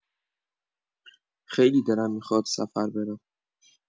خیلی دلم می‌خواد سفر برم